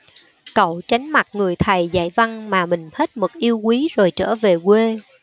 cậu tránh mặt người thầy dạy văn mà mình hết mực yêu quý rồi trở về quê